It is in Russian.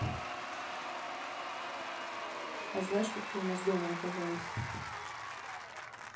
а знаешь как ты у нас дома оказалась